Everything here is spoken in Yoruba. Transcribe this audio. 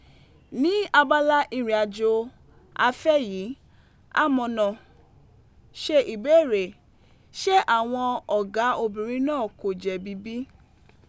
Ní abala ìrìnàjò afẹ́ yìí, amọ̀nà ṣe ìbéèrè: ṣé àwọn ọ̀gá obìnrin náà kò jẹ̀bi bí?